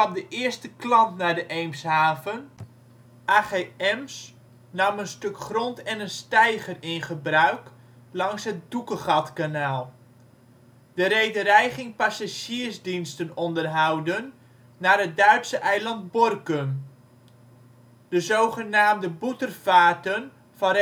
de eerste klant naar de Eemshaven: AG Ems nam een stuk grond en een steiger in gebruik langs het Doekegatkanaal. De rederij ging passagiersdiensten onderhouden naar het Duitse eiland Borkum. De zogenaamde Butterfahrten van